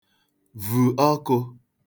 vu ọkụ̄